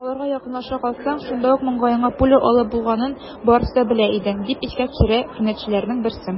Аларга якынлаша калсаң, шунда ук маңгаеңа пуля алып булганын барысы да белә иде, - дип искә төшерә фетнәчеләрнең берсе.